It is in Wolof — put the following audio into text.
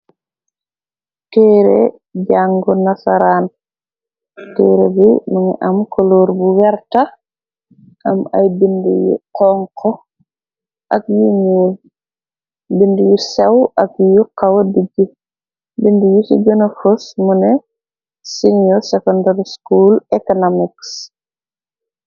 Tere jàngu nasaraan kere bi nangi am kolóor bu werta am ay bind yu xonko ak yu ñuul bind yu sew ak yu xawa dijj bind yi ci gënafos mëne senor secondar school economic.